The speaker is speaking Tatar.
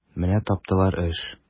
Менә таптылар эш!